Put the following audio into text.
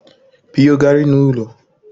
piogharị n’ụlọ